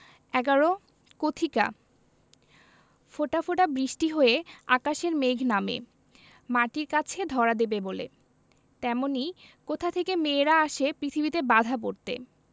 ১১ কথিকা ফোঁটা ফোঁটা বৃষ্টি হয়ে আকাশের মেঘ নামে মাটির কাছে ধরা দেবে বলে তেমনি কোথা থেকে মেয়েরা আসে পৃথিবীতে বাঁধা পড়তে